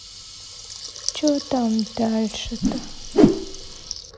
че там дальше то